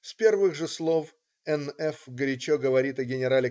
С первых же слов Н. Ф. горячо говорит о ген.